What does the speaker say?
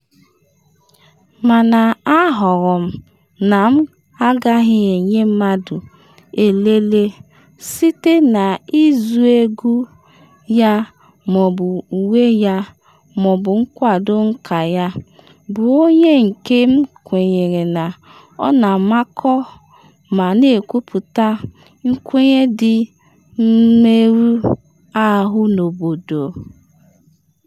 “Mana A họrọ m na m “AGAGHỊ” enye mmadụ elele (site na ịzụ egwu ya ma ọ bụ uwe ya ma ọ bụ kwado “nka” ya} bụ Onye nke m kwenyere na ọ na-amakọ ma na-ekwuputa nkwenye dị mmerụ ahụ n’obodo.